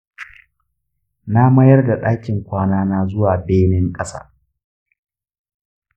na mayar da ɗakin kwanana zuwa benen ƙasa.